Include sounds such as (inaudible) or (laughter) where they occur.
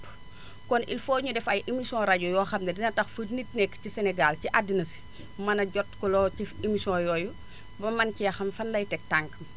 (breath) kon il faut ñu def ay émissions rajo yoo xam ne dina tax fu nit nekk ci Sñégal ci àdduna si mën a jot loo ci émissions yooyu ba mën cee xam fan lay teg tànkam